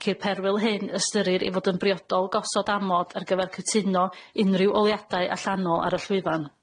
ac i'r perwyl hyn ystyrir i fod yn briodol gosod amod ar gyfer cytuno unrhyw oleadau allanol ar y llwyfan.